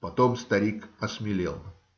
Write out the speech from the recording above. Потом старик осмелел.